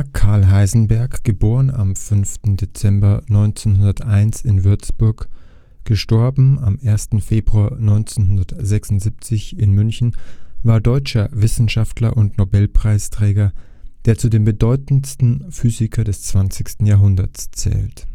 Karl Heisenberg (* 5. Dezember 1901 in Würzburg; † 1. Februar 1976 in München) war ein deutscher Wissenschaftler und Nobelpreisträger, der zu den bedeutendsten Physikern des 20. Jahrhunderts zählt